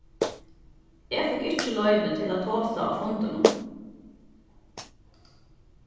eg fekk ikki loyvi til at tosa á fundinum